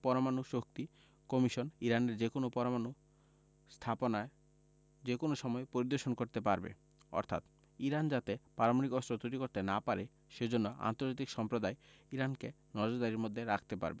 পরমাণু শক্তি কমিশন ইরানের যেকোনো পরমাণু স্থাপনায় যেকোনো সময় পরিদর্শন করতে পারবে অর্থাৎ ইরান যাতে পারমাণবিক অস্ত্র তৈরি করতে না পারে সে জন্য আন্তর্জাতিক সম্প্রদায় ইরানকে নজরদারির মধ্যে রাখতে পারবে